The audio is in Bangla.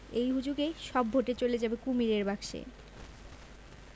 এই হুজুগে সব ভোটে চলে যাবে কুমীরের বাক্সে